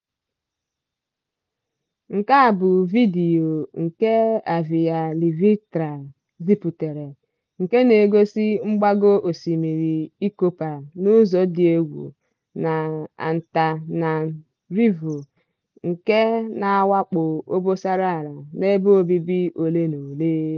Nke a bụ vidiyo nke avyalvitra zipụrụ, nke na-egosị mgbago osimiri Ikopa n'ụzọ dị egwu na Antananarivo, nke na-awakpo obosara ala n'ebe obibi ole na ole.